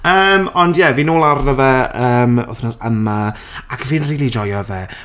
Yym, ond ie, fi nôl arno fe yym wythnos yma ac fi'n rili joio fe.